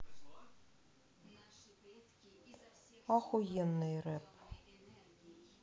ахуенный реп